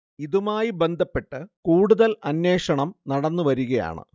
ഇതുമായി ബന്ധപ്പെട്ട് കൂടുതൽ അന്വഷണം നടന്ന് വരുകയാണ്